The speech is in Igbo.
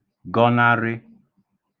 gọnarị